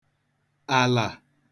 àlà